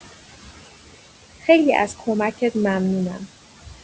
خیلی از کمکت ممنونم.